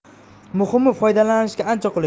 muhimi foydalanishga ancha qulay